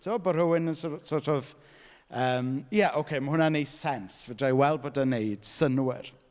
Tibod bod rywun yn sor- sort of yym "ia ocê ma' hwnna'n wneud sens fedra i weld bod e'n wneud synnwyr."